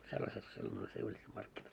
sellaiset silloin oli se Iljusan markkinat